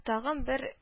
Тагын бер